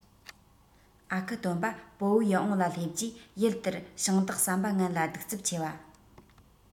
ཨ ཁུ སྟོན པ སྤོ བོ ཡིད འོང ལ སླེབས རྗེས ཡུལ དེར ཞིང བདག བསམ པ ངན ལ གདུག རྩུབ ཆེ བ